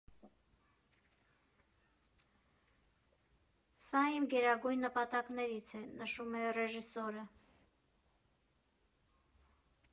Սա իմ գերագույն նպատակներից է», ֊ նշում է ռեժիսորը։